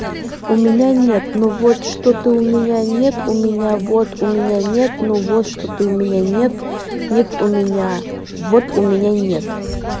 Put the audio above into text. у меня нет ну вот что у меня нет у меня вот у меня нет ну вот что у меня нет у меня вот у меня нет